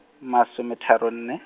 masometharo nne.